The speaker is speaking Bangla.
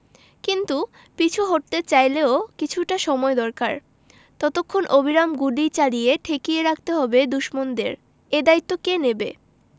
কিন্তু পিছু হটতে চাইলেও কিছুটা সময় দরকার ততক্ষণ অবিরাম গুলি চালিয়ে ঠেকিয়ে রাখতে হবে দুশমনদের এ দায়িত্ব কে নেবে